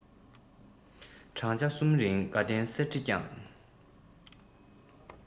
བགྲང བྱ གསུམ རིང དགའ ལྡན གསེར ཁྲི བསྐྱངས